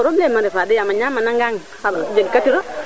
a probleme a refa de yaama ñama na ngaan xan jeg ka tiron